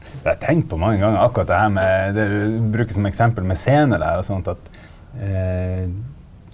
jeg har tenkt på mange ganger akkurat det her med det du bruker som eksempel med scene der og sånt at .